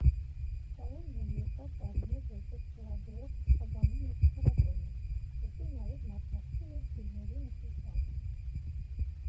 Կարենն էլ երկար տարիներ որպես լրագրող լուսաբանում էր փառատոնը, հետո նաև մասնակցում էր ֆիլմերի ընտրությանը։